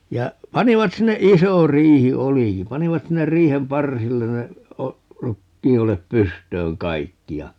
ja panivat sinne iso riihi olikin panivat sinne riihen parsille ne - rukiinoljet pystyyn kaikki ja